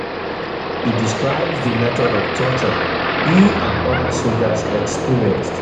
He describes the methods of torture he and other soldiers experienced: